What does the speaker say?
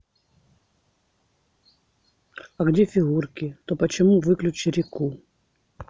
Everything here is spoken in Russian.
а где фигурки то почему выключи реку